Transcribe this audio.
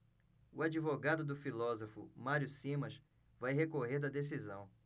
o advogado do filósofo mário simas vai recorrer da decisão